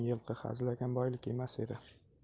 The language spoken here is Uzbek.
ming yilqi hazilakam boylik emas edi